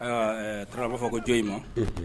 Taara b'a fɔ ko jɔn in ma